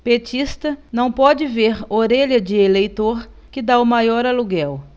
petista não pode ver orelha de eleitor que tá o maior aluguel